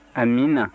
amiina